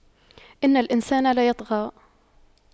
إِنَّ الإِنسَانَ لَيَطغَى